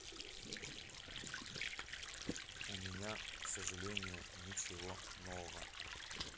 у меня к сожалению ничего нового